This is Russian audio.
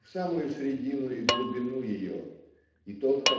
в самую средину и глубину ее и тот